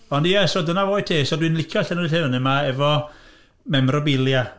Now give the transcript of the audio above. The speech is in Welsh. Ond ie, so dyna fo i ti. So dwi'n licio llenwi'r lle fyny 'ma efo memorabilia.